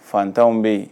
Fantanw bɛ yen